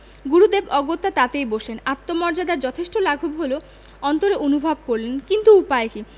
গুরুদেব অগত্যা তাতেই বসলেন আত্মমর্যাদার যথেষ্ট লাঘব হলো অন্তরে অনুভব করলেন কিন্তু উপায় কি